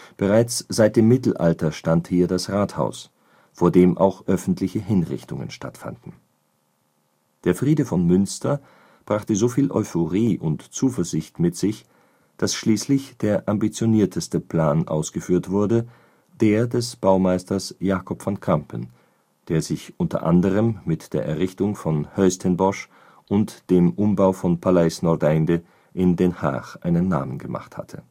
Bereits seit dem Mittelalter stand hier das Rathaus, vor dem auch öffentliche Hinrichtungen stattfanden. Der Friede von Münster brachte so viel Euphorie und Zuversicht mit sich, dass schließlich der ambitionierteste Plan ausgeführt wurde – der des Baumeisters Jacob van Campen, der sich unter anderem mit der Errichtung von Huis ten Bosch und dem Umbau von Paleis Noordeinde in Den Haag einen Namen gemacht hatte